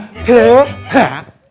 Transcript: thế hả